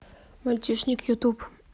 мальчишник ютуб